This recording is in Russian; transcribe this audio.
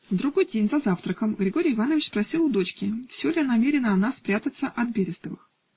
На другой день за завтраком Григорий Иванович спросил у дочки, все ли намерена она спрятаться от Берестовых.